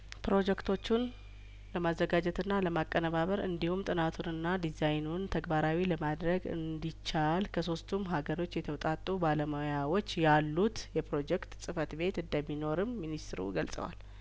ፕሮጀክቶቹን ለማዘጋጀትና ለማቀነባበር እንዲሁም ጥናቱንና ዲዛይኑን ተግባራዊ ለማድረግ እንዲቻል ከሶስቱም ሀገሮች የተውጣጡ ባለሙያዎች ያሉት የፕሮጀክት ጽፈት ቤት እንደሚኖርም ሚኒስትሩ ገልጸዋል